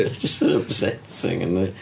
Ma' jyst yn upsetting yndi.